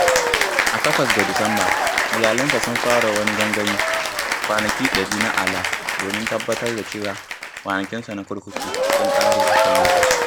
A 8 ga Disamba, iyalinsa sun fara wani gangami - "kwanaki 100 na Alaa" - domin tabbatar da cewa kwanakinsa na kurkuku sun ƙare a kan lokaci.